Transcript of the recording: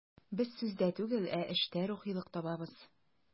Без сүздә түгел, ә эштә рухилык табабыз.